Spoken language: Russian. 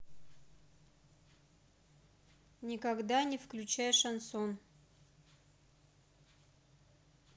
никогда не включай шансон